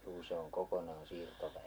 juu se on kokonaan siirtoväellä